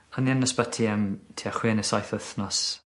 O'n i yn ysbyty am tua chwe ne' saith wthnos.